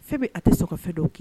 Fɛn bɛ a tɛ so dɔw k kɛ